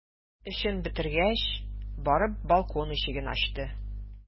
Эшен бетергәч, барып балкон ишеген ачты.